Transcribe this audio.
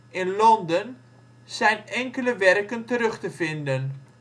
in Londen zijn enkele werken terug te vinden